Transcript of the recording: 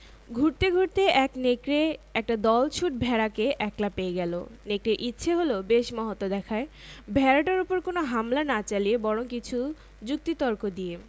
ঘুরতে ঘুরতে এক নেকড়ে একটা দলছুট ভেড়াকে একলা পেয়ে গেল নেকড়ের ইচ্ছে হল বেশ মহত্ব দেখায় ভেড়াটার উপর কোন হামলা না চালিয়ে বরং কিছু যুক্তি তর্ক দিয়ে